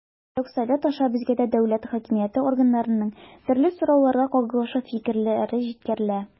Шулай ук Совет аша безгә дә дәүләт хакимияте органнарының төрле сорауларга кагылышлы фикерләре җиткерелә.